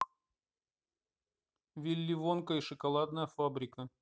вилли вонка и шоколадная фабрика